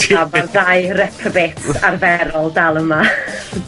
A ma'r ddau reprobate arferol dal yma .